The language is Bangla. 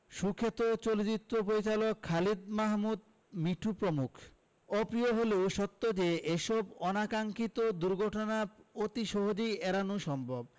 সুখ্যাত চলচ্চিত্র পরিচালক খালিদ মাহমুদ মিঠু প্রমুখ অপ্রিয় হলেও সত্ত্বেও যে এসব অনাকাক্সিক্ষত দুর্ঘটনা অতি সহজেই এড়ানো সম্ভব